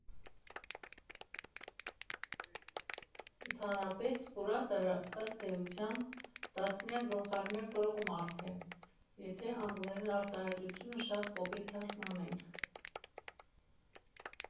Ընդհանրապես, կուրատորը, ըստ էության, տասնյակ գլխարկներ կրող մարդ է, եթե անգլերեն արտահայտությունը շատ կոպիտ թարգմանենք։